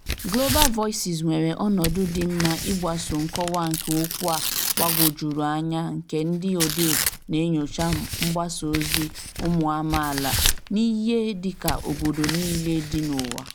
Global Voices nwere ọnọdụ dị mma ịgbaso nkọwa nke okwu a gbagwojuru anya nke ndị odee na-enyocha mgbasaozi ụmụ amaala n'ihe dịka obodo niile dị n'ụwa.